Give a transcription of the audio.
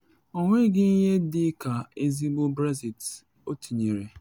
Ọ nweghị ihe dị ka ezigbo Brexit,’ o tinyere.